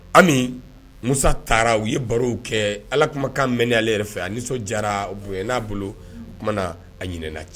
Ami Musa taara u ye barow kɛ Ala kumakan mɛnna ale yɛrɛ fɛ .A nisɔn jara a bonya na bolo na a ɲin cɛ